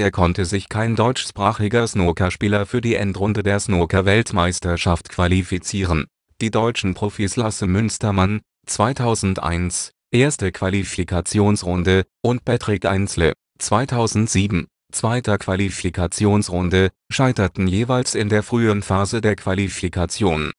konnte sich kein deutschsprachiger Snookerspieler für die Endrunde der Snookerweltmeisterschaft qualifizieren. Die deutschen Profis Lasse Münstermann (2001, 1. Qualifikationsrunde) und Patrick Einsle (2007, 2. Qualifikationsrunde) scheiterten jeweils in der frühen Phase der Qualifikation